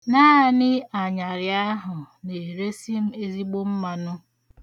Naanị anyarị ahụ na-eresi m ezigbo mmanụ.